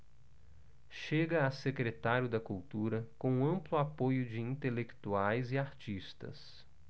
chega a secretário da cultura com amplo apoio de intelectuais e artistas